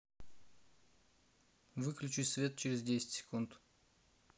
выключи свет через десять секунд